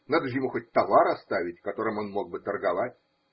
Надо ж ему хоть товар оставить, которым он мог бы торговать.